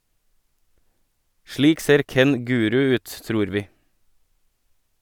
Slik ser Ken Guru ut, tror vi.